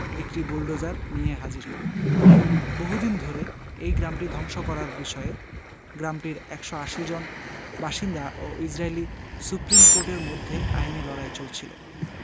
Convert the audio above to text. একটি বুলোডোজার নিয়ে হাজির হয় বহুদিন ধরে এই গ্রামটি ধ্বংস করার বিষয়ে গ্রামটির ১৮০ জন বাসিন্দা ও ইসরাইলি সুপ্রিম কোর্টের মধ্যে আইনি লড়াই চলছিল